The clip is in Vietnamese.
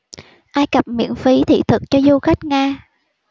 ai cập miễn phí thị thực cho du khách nga